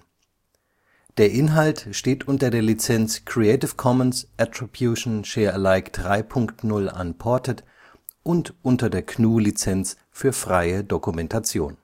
Der Inhalt steht unter der Lizenz Creative Commons Attribution Share Alike 3 Punkt 0 Unported und unter der GNU Lizenz für freie Dokumentation